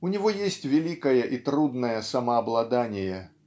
У него есть великое и трудное самообладание